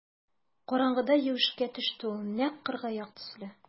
Караңгыда юешкә төште ул нәкъ кыргаяк төсле.